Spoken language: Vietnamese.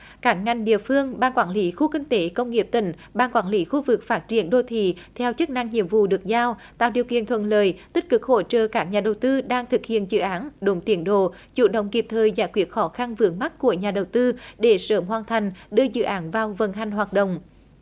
các ngành địa phương ban quản lý khu kinh tế công nghiệp tỉnh ban quản lý khu vực phát triển đô thị theo chức năng nhiệm vụ được giao tạo điều kiện thuận lợi tích cực hỗ trợ các nhà đầu tư đang thực hiện dự án đúng tiến độ chủ động kịp thời giải quyết khó khăn vướng mắc của nhà đầu tư để sớm hoàn thành đưa dự án vào vận hành hoạt động